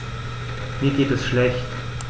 Mir geht es schlecht.